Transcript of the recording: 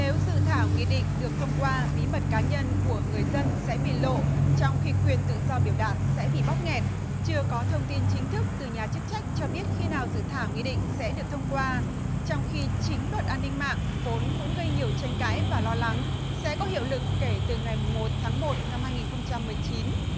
nếu dự thảo nghị định được thông qua bí mật cá nhân của người dân sẽ bị lộ trong khi quyền tự do biểu đạt sẽ bị bóp nghẹt chưa có thông tin chính thức từ nhà chức trách cho biết khi nào dự thảo nghị định sẽ được thông qua trong khi chính luật an ninh mạng vốn cũng gây nhiều tranh cãi và lo lắng sẽ có hiệu lực kể từ ngày mùng một tháng một năm hai nghìn không trăm mười chín